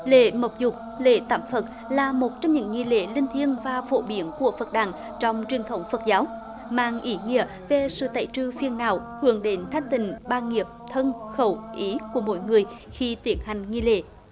lễ mộc dục lễ tắm phật là một trong những nghi lễ linh thiêng và phổ biến của phật đản trong truyền thống phật giáo mang ý nghĩa về sự tẩy trừ phiền não hướng đền thanh tịnh ba nghiệp thân khẩu ý của mọi người khi tiến hành nghi lễ